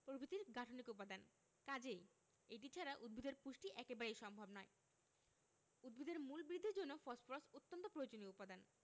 প্রভৃতির গাঠনিক উপাদান কাজেই এটি ছাড়া উদ্ভিদের পুষ্টি একেবারেই সম্ভব নয় উদ্ভিদের মূল বৃদ্ধির জন্য ফসফরাস অত্যন্ত প্রয়োজনীয় উপাদান